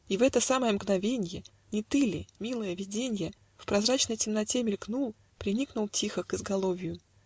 И в это самое мгновенье Не ты ли, милое виденье, В прозрачной темноте мелькнул, Приникнул тихо к изголовью?